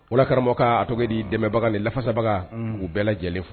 O karamɔgɔ kaa tɔgɔ di dɛmɛbaga de lafasabaga bɛɛ lajɛlen fo